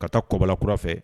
Ka taa kɔbala kura fɛ